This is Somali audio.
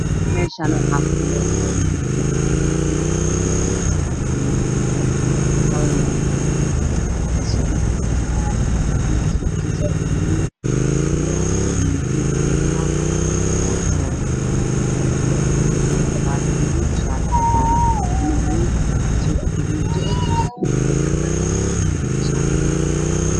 Meeshaan waxaa fadhiya labo wiil midabkooda midab uu yahay cadaan labada nin waxay wataan suud mid suudkiisa waa baluug iyo waxuu wataa kaloo wataa ookiyaalo garabaati gaduud shaati cadaan midne suud gariije ah garabaati madow ah iyo shaati cadaan eh